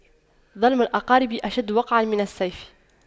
ظلم الأقارب أشد وقعا من السيف